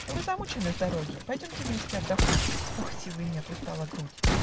Но вы замучены с дороги; Пойдемте вместе отдохнуть. Ох, силы нет. устала грудь.